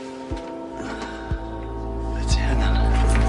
Be' ti angan?